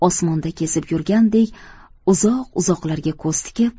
osmonda kezib yurgandek uzoq uzoqlarga ko'z tikib